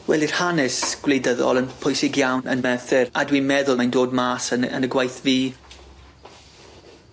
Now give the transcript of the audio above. Wel i'r hanes gwleidyddol yn pwysig iawn yn Merthyr a dwi'n meddwl mae'n dod mas yn y yn y gwaith fi.